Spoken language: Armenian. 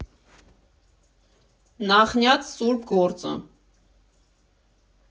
Նախնյաց սուրբ գործը։